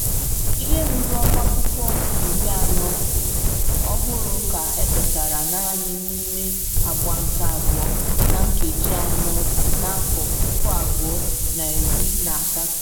Ihe ruru okwu 40,000 ọhụrụ ka ekpesara naanị n’ime agba nke abụọ na nkeji anọ 2018.